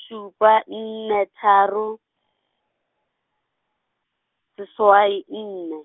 šupa nne tharo, seswai nne.